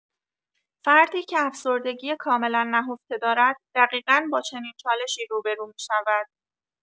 فردی که افسردگی کاملا نهفته دارد دقیقا با چنین چالشی روبه‌رو می‌شود.